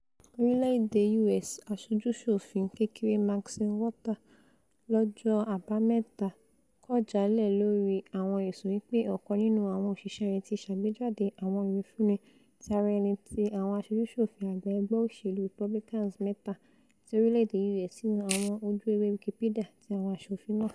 orílẹ̀-èdè U.S. Aṣojú-ṣòfin kékeré Maxine Walters lọ́jọ́ Àbámẹ́ta kọ̀ jálẹ̀ lórí àwọn ẹ̀sùn wí pé ọ̀kan nínú àwọn òṣìṣẹ́ rẹ̀ ti ṣàgbéjáde àwọn ìwífúnni ti ara ẹni ti àwọn aṣojú-ṣòfin àgbà ẹgbẹ́ òṣèlú Republican mẹ́ta ti orílẹ̀-èdè U.S. sínu àwọn ojú-ewé Wikipedia ti àwọn àṣofin náà.